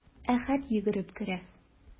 Әхәт йөгереп керә.